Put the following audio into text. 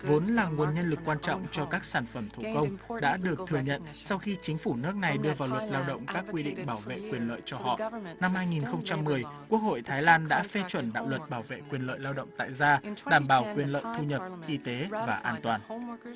vốn là nguồn nhân lực quan trọng cho các sản phẩm thủ công đã được thừa nhận sau khi chính phủ nước này đưa vào luật lao động các quy định bảo vệ quyền lợi cho họ năm hai nghìn không trăm mười quốc hội thái lan đã phê chuẩn đạo luật bảo vệ quyền lợi lao động tại gia đảm bảo quyền lợi thu nhập y tế và an toàn